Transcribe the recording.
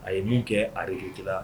A ye min kɛ arilila